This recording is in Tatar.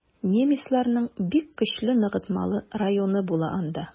Немецларның бик көчле ныгытмалы районы була анда.